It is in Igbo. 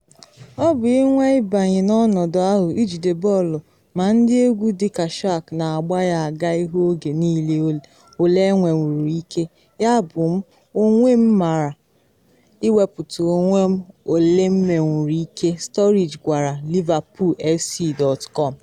“Ọ bụ ịnwa ịbanye n’ọnọdụ ahụ, ijide bọọlụ ma ndi egwu dị ka Shaq na agba ya aga ihu oge niile ole enwenwuru ike, yabụ m onwe m nwara iwepụta onwe m ole m nwenwuru ike, “Sturridge gwara LiverpoolFC.com.